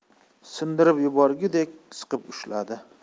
sindirib yuborgudek siqib ushladi